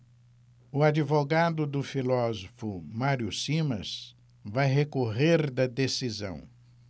o advogado do filósofo mário simas vai recorrer da decisão